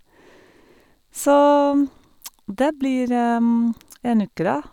Så det blir en uke, da.